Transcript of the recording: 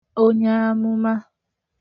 onyeamụma